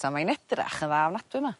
...'ta mae'n edrach yn dda ofnadwy 'ma.